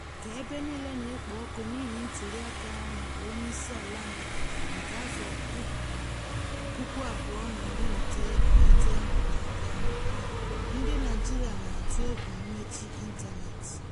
Ka ebe niile na-ekpo ọkụ n'ihi ntụliaka maka onyeisiala nke 2019 na-abịa, ndị Naịjirịa na-atụ egwu mmechi ịntanet